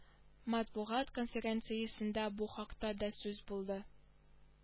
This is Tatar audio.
Матбугат конференциясендә бу хакта да сүз булды